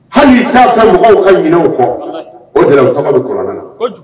Hali y'i taasa mɔgɔw ka ɲininw kɔ o t bɛuran na